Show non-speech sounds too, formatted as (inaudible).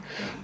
(breath) (hesitation) (hesitation)